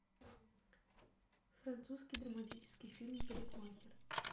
французский драматический фильм парикмахер